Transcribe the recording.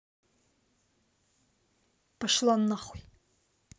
пошла нахуй